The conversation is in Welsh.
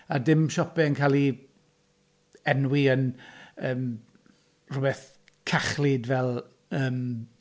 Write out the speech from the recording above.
A dim siopau yn cael'i enwi yn yym rhywbeth cachlyd fel yym...